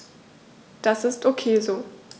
Das ist ok so.